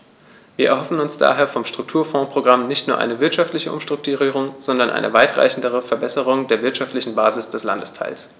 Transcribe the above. Wir erhoffen uns daher vom Strukturfondsprogramm nicht nur eine wirtschaftliche Umstrukturierung, sondern eine weitreichendere Verbesserung der wirtschaftlichen Basis des Landesteils.